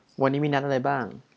วันนี้มีนัดอะไรบ้าง